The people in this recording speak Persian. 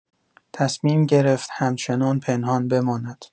تصمیم گرفت همچنان پنهان بماند.